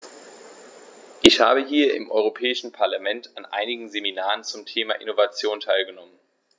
Ich habe hier im Europäischen Parlament an einigen Seminaren zum Thema "Innovation" teilgenommen.